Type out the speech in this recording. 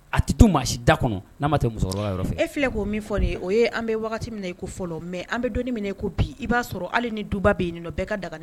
A tɛ to maa si da kɔnɔ n'a musokɔrɔba e filɛ k'o min fɔ o ye an bɛ minɛ i ko fɔlɔ mɛ an bɛ don minɛ ko bi i b'a sɔrɔ hali ni duba bɛ in bɛɛ ka